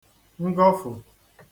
ngọfụ̀